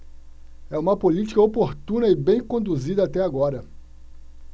é uma política oportuna e bem conduzida até agora